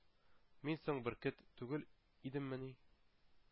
Мин соң бөркет түгел идеммени,